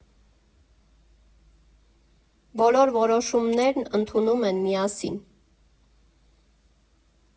Բոլոր որոշումներն ընդունում են միասին։